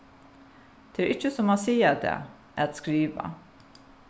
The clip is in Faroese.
tað er ikki sum at siga tað at skriva